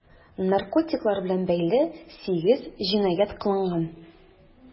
Наркотиклар белән бәйле 8 җинаять кылынган.